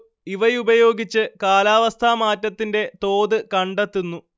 ഇവയുപയോഗിച്ച് കാലാവസ്ഥാ മാറ്റത്തിന്റെ തോത് കണ്ടെത്തുന്നു